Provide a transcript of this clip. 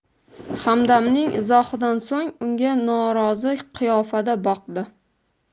hamdamning izohidan so'ng unga norozi qiyofada boqdi